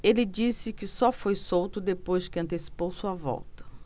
ele disse que só foi solto depois que antecipou sua volta